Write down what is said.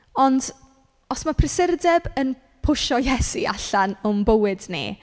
Ond os mae brysurdeb yn pwshio Iesi allan o'n bywyd ni.